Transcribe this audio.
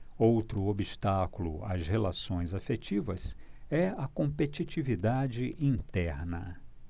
outro obstáculo às relações afetivas é a competitividade interna